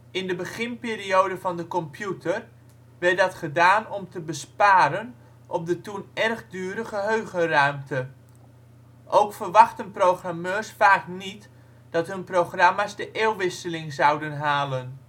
In de beginperiode van de computer werd dat gedaan om te besparen op de toen erg dure geheugenruimte. Ook verwachtten programmeurs vaak niet dat hun programma 's de eeuwwisseling zouden halen